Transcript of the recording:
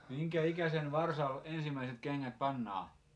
minkä ikäisen varsalle ensimmäiset kengät pannaan